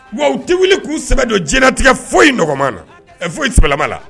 Wa tɛ wuli k'u sɛbɛdon diɲɛɲɛnatigɛ foyi in na foyi sɛɛlɛ la